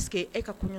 Est ce que e ka kun